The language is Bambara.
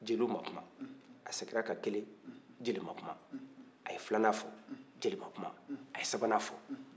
jeliw ma kuma a seginna kan kelen jeli ma kuma a ye filannan fɔ jeli ma kuma a ye sabannan fɔ